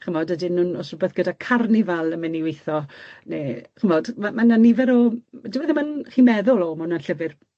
chimod ydyn nw'n o's rwbeth gyda carnifal yn myn' i weitho ne' ch'mod ma' ma' 'na nifer o... Dyw e ddim yn... Chi'n meddwl o ma' wnna'n llyfyr